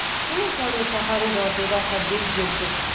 kim ekan o'sha xaridor dedi asadbek jerkib